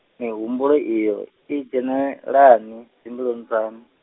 mihumbulo iyo, i dzhenelani, dzimbiluni dzaṋu?